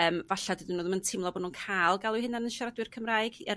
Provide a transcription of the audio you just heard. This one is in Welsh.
yym 'falla' dydyn n'w ddim yn teimlo bo' n'w'n ca'l galw i hunan yn siaradwyr Cymraeg er